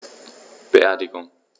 Beerdigung